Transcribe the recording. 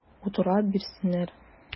Утыра бирсеннәр!